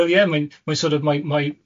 So yeah, mae'n mae sor' of, mae'n mae'n